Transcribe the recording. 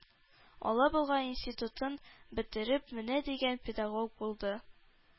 Алабуга институтын бетереп, менә дигән педагог булды.